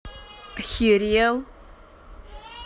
охирел